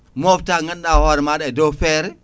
mofta ko ganduɗa hoore maɗa e dow feere